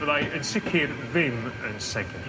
fyddai yn sicir ddim yn segur.